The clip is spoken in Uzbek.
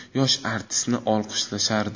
yosh artistni olqishlashardi